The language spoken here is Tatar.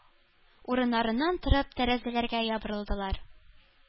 Урыннарыннан торып, тәрәзәләргә ябырылдылар.